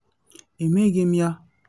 Emeghị m ya."